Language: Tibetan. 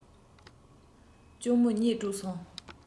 གཅུང མོའི གཉིད དཀྲོགས སོང